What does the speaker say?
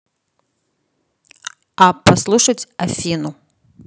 а послушать афину